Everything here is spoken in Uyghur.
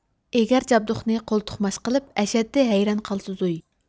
ئېگەر جابدۇقنى قولتۇقماچ قىلىپ ئەشەددىي ھەيران قالىسىزۇي